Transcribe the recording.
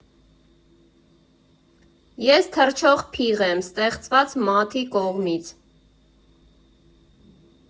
Ես թռչող փիղ եմ՝ ստեղծված Մաթի կողմից։